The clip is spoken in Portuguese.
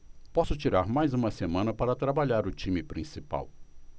posso tirar mais uma semana para trabalhar o time principal